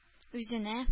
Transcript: Үзенә